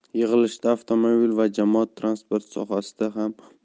yig'ilishda avtomobil va jamoat transporti sohasida